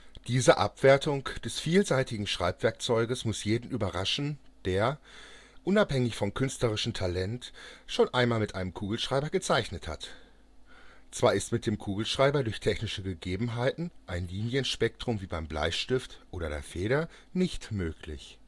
Diese Abwertung des vielseitigen Schreibwerkzeugs muss jeden überraschen, der, unabhängig von künstlerischem Talent, schon einmal mit einem Kugelschreiber gezeichnet hat. Zwar ist mit dem Kugelschreiber durch technische Gegebenheiten ein Linienspektrum wie beim Bleistift oder der Feder nicht möglich